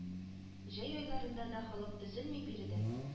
Җәй айларында да халык өзелми биредән